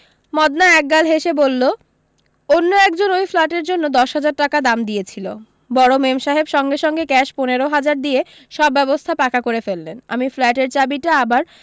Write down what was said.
মদনা একগাল হেসে বললো অন্য একজন ওই ফ্ল্যাটের জন্য দশ হাজার টাকা দাম দিয়েছিল বড় মেমসাহেব সঙ্গে সঙ্গে ক্যাশ পনেরো হাজার দিয়ে সব ব্যবস্থা পাকা করে ফেললেন আমি ফ্ল্যাটের চাবিটা আবার